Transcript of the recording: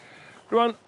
Rŵan